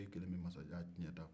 e kelen bɛ masajan ciɲɛ ta